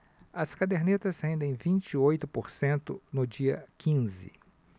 as cadernetas rendem vinte e oito por cento no dia quinze